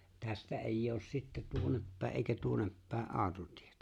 tästä ei ole sitten tuonnepäin eikä tuonnepäin autotietä